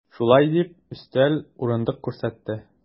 Шулай дип, өстәл, урындык күрсәтте.